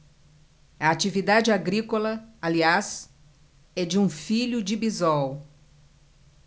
a atividade agrícola aliás é de um filho de bisol